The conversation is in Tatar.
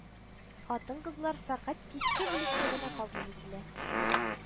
Хатын-кызлар фәкать кичке бүлеккә генә кабул ителә